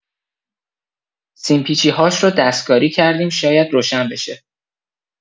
سیم پیچی‌هاش رو دست‌کاری کردیم شاید روشن بشه.